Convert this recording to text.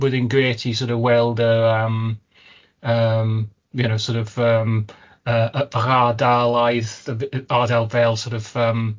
roedd e'n grêt i sor' of weld yr yym yym, you know, sor' of yym yy y- yr ardalaeth, yy y- ardal fel sort of yym